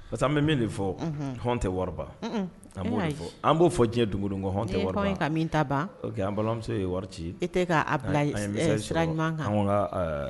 Parce que an bɛ min de fɔ hɔn tɛ wɔɔrɔba b' fɔ an b'o fɔ diɲɛ dugu dun ko hɔn ka min ta ban an balimamuso ye wari ci e tɛ' ɲuman ka